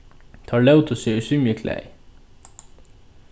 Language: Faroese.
teir lótu seg í svimjiklæði